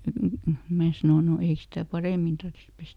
minä sanoin no ei sitä paremmin tarvitsisi pestä